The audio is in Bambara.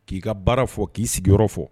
K'i ka baara fɔ k'i sigiyɔrɔ fɔ